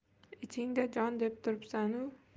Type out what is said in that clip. ichingda jon jon deb turibsanu